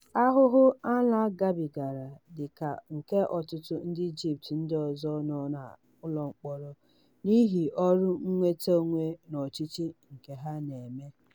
Ahụmahụ Alaa gabigara dị ka nke ọtụtụ ndị Egypt ndị ọzọ nọ n'ụlọ mkpọrọ n'ihi ọrụ mweta mgbanwe n'ọchịchị nke ha na-eme.